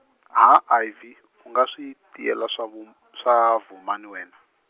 ha Ivy , u nga swi tiyela swa vu, swa Vhumani wena?